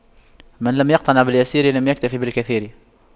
من لم يقنع باليسير لم يكتف بالكثير